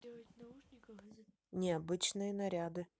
необычные наряды